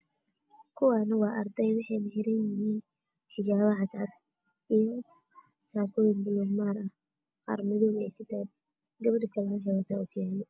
Kuwaani wa ardey waxiina xiran yihiin xijaaoa cad cad iyo saako puluug maari ah qarmadow ey sitaan gadbadha kale waxey wadataa o kiyaalo